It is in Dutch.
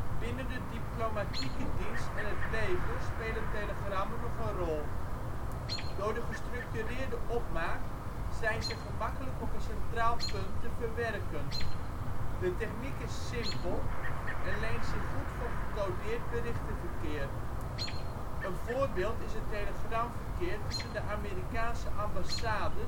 Binnen de diplomatieke dienst en het leger spelen telegrammen nog een rol. Door de gestructureerde opmaak, zijn ze gemakkelijk op een centaal punt te verwerken. De techniek is simpel en leent zich goed voor gecodeerd berichtenverkeer. Een voorbeeld is het telegramverkeer tussen de Amerikaanse ambassades en het